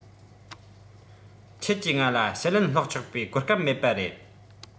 ཁྱེད ཀྱིས ང ལ ཞུ ལན བསློགས ཆོག པའི གོ སྐབས མེད པ རེད